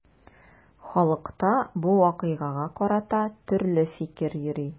Халыкта бу вакыйгага карата төрле фикер йөри.